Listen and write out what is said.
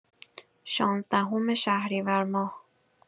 شانزدهم شهریورماه